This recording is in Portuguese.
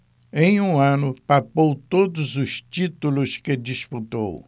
em um ano papou todos os títulos que disputou